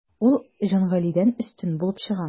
Ул Җангалидән өстен булып чыга.